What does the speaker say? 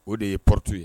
O de ye prtu ye